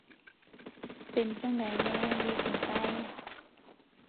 เป็นจั่งใดแหน่ ดีขึ้นไป